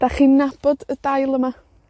'Dach chi'n nabod y dail yma?